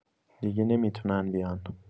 دیگه نمی‌تونن بیان.